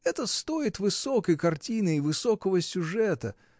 Это стоит высокой картины и высокого сюжета.